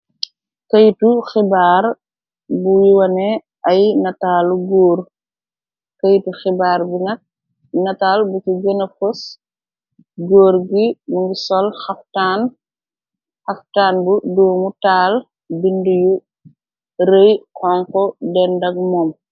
Këytu xibaar buy wane ay natalu goor këytu xibaar bi na nataal bu ci gëna fos góor gi mungi sol xaftaan bu duumu taal bind yu rëy konko dendag moom.